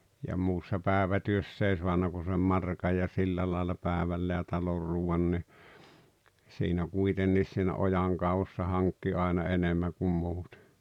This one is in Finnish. ja muussa päivätyössä ei saanut kuin sen markan ja sillä lailla päivälle ja talon ruuan niin siinä kuitenkin siinä ojankaivuussa hankki aina enemmän kuin muuten